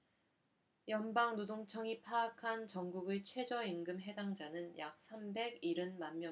연방노동청이 파악한 전국의 최저임금 해당자는 약 삼백 일흔 만명이다